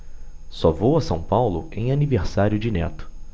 só vou a são paulo em aniversário de neto